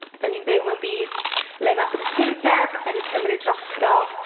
Dan ni'n byw mewn byd le ma' prysurdeb yn cymryd drosto.